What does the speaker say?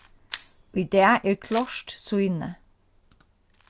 í dag er klárt sýni